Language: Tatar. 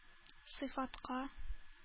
Сыйфатка